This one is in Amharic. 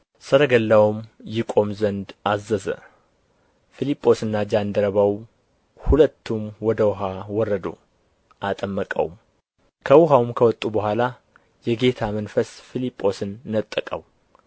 ሰረገላውም ይቆም ዘንድ አዘዘ ፊልጶስና ጃንደረባው ሁለቱም ወደ ውኃ ወረዱ አጠመቀውም ከውኃውም ከወጡ በኋላ የጌታ መንፈስ ፊልጶስን ነጠቀው